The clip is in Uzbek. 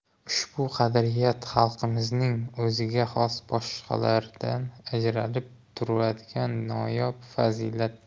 ushbu qadriyat xalqimizning o'ziga xos boshqalardan ajralib turadigan noyob fazilatidir